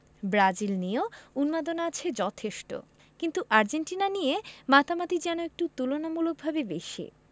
Brazil নিয়েও উন্মাদনা আছে যথেষ্ট কিন্তু আর্জেন্টিনা নিয়ে মাতামাতিই যেন একটু তুলনামূলকভাবে বেশি